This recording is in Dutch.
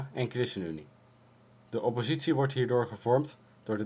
en ChristenUnie. De oppositie wordt hierdoor gevormd door